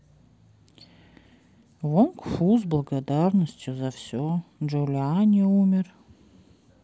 вонг фу с благодарностью за все джулиани умер